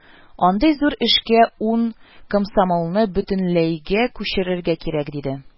Андый зур эшкә ун комсомолны бөтенләйгә күчерергә кирәк, диде